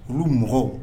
Olu mɔgɔw